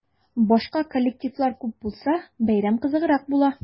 Башка коллективлар күп булса, бәйрәм кызыграк була.